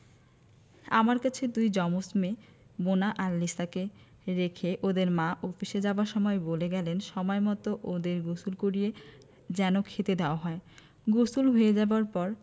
আমার কাছে দুই জমজ মেয়ে মোনা আর লিসাকে রেখে ওদের মা অফিসে যাবার সময় বলে গেলেন সময়মত ওদের গোসল করিয়ে যেন খেতে দেওয়া হয় গোসল হয়ে যাবার পর